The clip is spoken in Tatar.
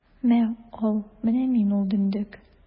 Мә, ал, менә мин ул дөндек!